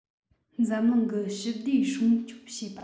འཛམ གླིང གི ཞི བདེ སྲུང སྐྱོབ བྱེད པ